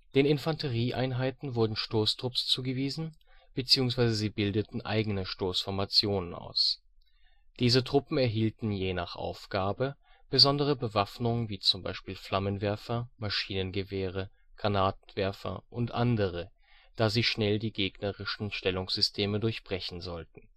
Infanterieeinheiten wurden Stoßtrupps zugewiesen, bzw. sie bildeten eigene Stoßformationen aus. Diese Truppen erhielten, je nach Aufgabe, besondere Bewaffnung, wie z.B. Flammenwerfer, Maschinengewehre, Granatwerfer u.a., da sie schnell die gegnerischen Stellungssysteme durchbrechen sollten